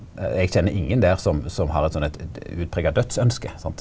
eg kjenner ingen der som som har eit sånn eit utprega dødsønske sant.